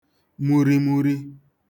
murimuri